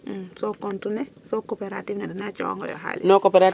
so compte ne so cooperative dena coxa ngo yo xalis